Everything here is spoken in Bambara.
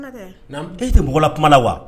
E tɛ mɔgɔla kuma la wa